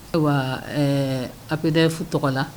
Ayiwa ɛɛ apid fu tɔgɔ la